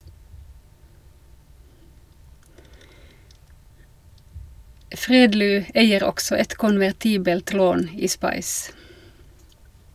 Fredly eier også et konvertibelt lån i SPICE.